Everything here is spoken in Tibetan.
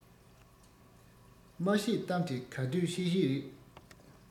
མ བཤད གཏམ དེ ག དུས བཤད བཤད རེད